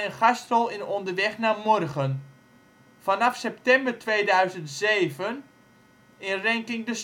gastrol in Onderweg naar morgen. Vanaf september 2007: Ranking the Stars